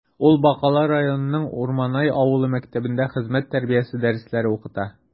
Ул Бакалы районының Урманай авылы мәктәбендә хезмәт тәрбиясе дәресләре укыта.